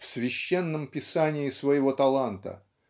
в священном писании своего таланта.